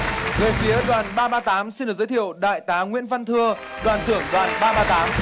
về phía đoàn ba ba tám xin được giới thiệu đại tá nguyễn văn thưa đoàn trưởng đoàn ba ba tám